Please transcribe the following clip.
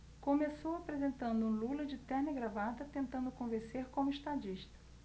começou apresentando um lula de terno e gravata tentando convencer como estadista